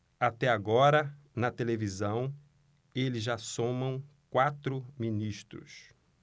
até agora na televisão eles já somam quatro ministros